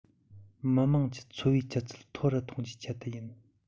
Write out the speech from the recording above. མི དམངས ཀྱི འཚོ བའི ཆུ ཚད མཐོ རུ གཏོང རྒྱུའི ཆེད དུ ཡིན